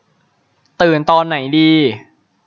ตื่นตอนไหนดี